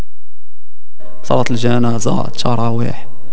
صلاه الجنازه تراويح